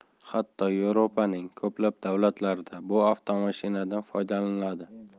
hatto yevropaning ko'plab davlatlarida bu avtomashinadan foydalaniladi